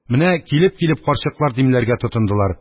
Менә килеп-килеп карчыклар димләргә тотындылар.